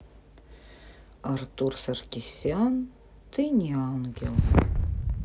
артур саркисян ты не ангел